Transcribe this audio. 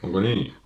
onko niin